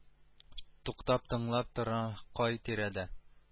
Туктап тыңлап торам кай тирәдә